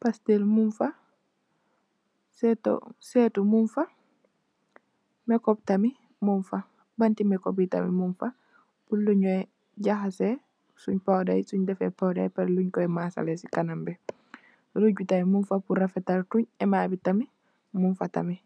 pastil mung fa, sètu mung fa, makeup tamit mung fa, banti makeup yi tamit mung fa purr lu nyo jahase powder yi sunn defè powder yi ba parè lu koy masalè chi kanam bi, rug bi tamit mung fa purr rafetal toun, emè bi tamit mung fa tamit.